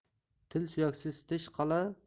til suyaksiz tish qal'a